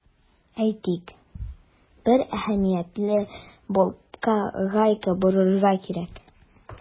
Әйтик, бер әһәмиятле болтка гайка борырга кирәк.